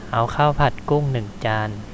เอาข้าวผัดกุ้งหนึ่งจาน